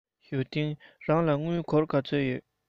ཞའོ ཏིང རང ལ དངུལ སྒོར ག ཚོད ཡོད